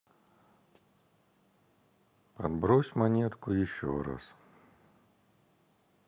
подбрось монетку еще раз